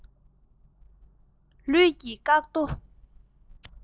ལུས ཀྱི བཀག རྡོ